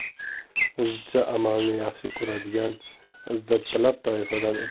o'zicha amalni yaxshi ko'radigan izzattalab toifadan ekan